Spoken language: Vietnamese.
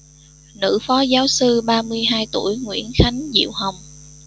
nữ phó giáo sư ba mươi hai tuổi nguyễn khánh diệu hồng